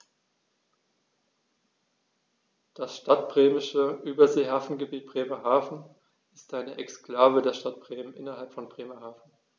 Das Stadtbremische Überseehafengebiet Bremerhaven ist eine Exklave der Stadt Bremen innerhalb von Bremerhaven.